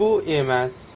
na bu emas